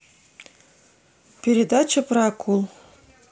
передача про акул